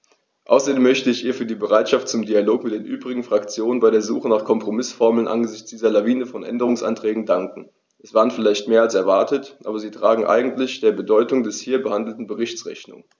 Außerdem möchte ich ihr für ihre Bereitschaft zum Dialog mit den übrigen Fraktionen bei der Suche nach Kompromißformeln angesichts dieser Lawine von Änderungsanträgen danken; es waren vielleicht mehr als erwartet, aber sie tragen eigentlich der Bedeutung des hier behandelten Berichts Rechnung.